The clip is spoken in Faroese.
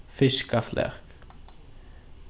fiskaflak